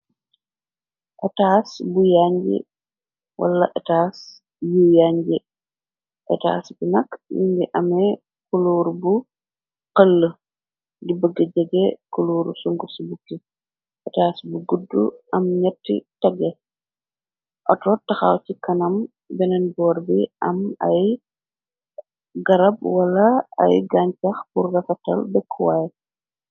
Etaas bu yañj wala etaas yu yañji etaas bi nakk lingi ame kuluur bu xëll di bëgg jege kuluuru sung ci bukki etaas bu gudd am ñetti tege ator taxaw ci kanam beneen boor bi am ay garab wala ay gancax burgafatal bekkuwaay.